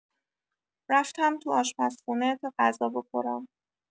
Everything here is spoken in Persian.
رفتم تو آشپزخونه تا غذا بخورم.